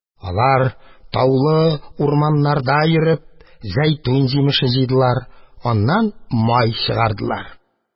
Алар, таулы урманнарда йөреп, зәйтүн җимеше җыйдылар, аннан май чыгардылар.